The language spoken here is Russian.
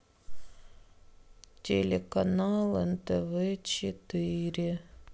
телеканал нтв четыре